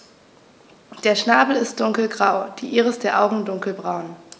Der Schnabel ist dunkelgrau, die Iris der Augen dunkelbraun.